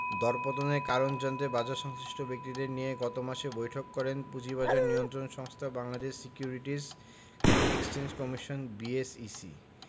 দরপতনের কারণ জানতে বাজারসংশ্লিষ্ট ব্যক্তিদের নিয়ে গত মাসে বৈঠক করেন পুঁজিবাজার নিয়ন্ত্রক সংস্থা Bangladesh Securities and Exchange Commission BSEC